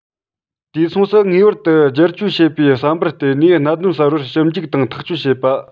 དུས མཚུངས སུ ངེས པར དུ བསྒྱུར བཅོས བྱེད པའི བསམ པར བརྟེན ནས གནད དོན གསར པར ཞིབ འཇུག དང ཐག གཅོད བྱེད པ